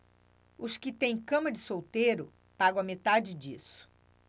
os que têm cama de solteiro pagam a metade disso